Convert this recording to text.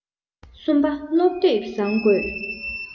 གསུམ པ སློབ དེབ བཟང དགོས